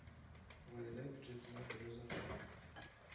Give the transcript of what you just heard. Гаилә бюджетына бераз акча да